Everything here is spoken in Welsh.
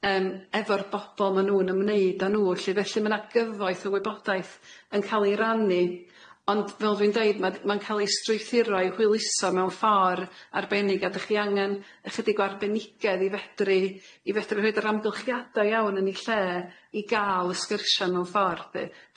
yym efo'r bobol ma' nw'n ymwneud â nhw lly felly ma' 'na gyfoeth o wybodaeth yn ca'l ei rannu ond fel dwi'n deud ma' ma'n ca'l ei strwythuro i hwyluso mewn ffor' arbennig a 'dach chi angen ychydig o arbenigedd i fedru i fedru roid yr amgylchiada iawn yn eu lle i ga'l y sgyrsia mewn ffor' lly.